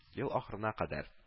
Ел ахырына кадәр